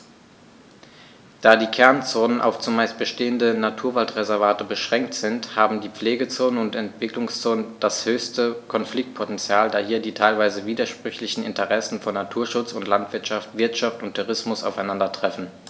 Da die Kernzonen auf – zumeist bestehende – Naturwaldreservate beschränkt sind, haben die Pflegezonen und Entwicklungszonen das höchste Konfliktpotential, da hier die teilweise widersprüchlichen Interessen von Naturschutz und Landwirtschaft, Wirtschaft und Tourismus aufeinandertreffen.